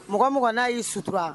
Mɔgɔ mɔgɔ n'a y'i sutura